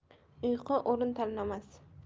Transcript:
uyqu o'rin tanlamas